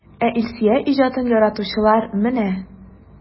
Ә Илсөя иҗатын яратучылар менә!